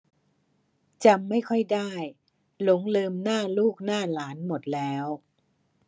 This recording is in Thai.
จำไม่ค่อยได้หลงลืมหน้าลูกหน้าหลานหมดแล้ว